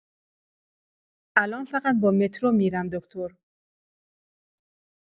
الان فقط با مترو می‌رم دکتر.